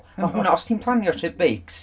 Ma' hwnna, os ti'n planio trip beics...